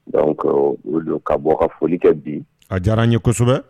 Dɔw ko olu don ka bɔ ka foli kɛ bi a diyara n ye kosɛbɛ